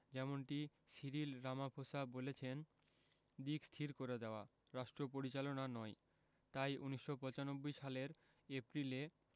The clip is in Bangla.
যেমনটি সিরিল রামাফোসা বলেছেন দিক স্থির করে দেওয়া রাষ্ট্রপরিচালনা নয় তাই ১৯৯৫ সালের এপ্রিলে